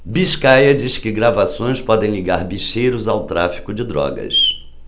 biscaia diz que gravações podem ligar bicheiros ao tráfico de drogas